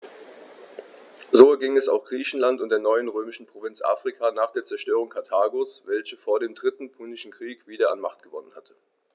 So erging es auch Griechenland und der neuen römischen Provinz Afrika nach der Zerstörung Karthagos, welches vor dem Dritten Punischen Krieg wieder an Macht gewonnen hatte.